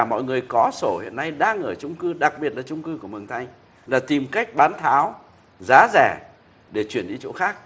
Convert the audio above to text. cả mọi người có sổ hiện nay đang ở chung cư đặc biệt là chung cư của mường thanh là tìm cách bán tháo giá rẻ để chuyển đi chỗ khác